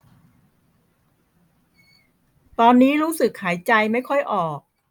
ตอนนี้รู้สึกหายใจไม่ค่อยออก